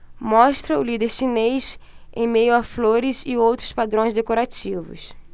mostra o líder chinês em meio a flores e outros padrões decorativos